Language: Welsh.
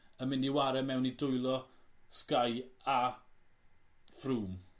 yn myn' i 'ware mewn i dwylo Sky a Froome?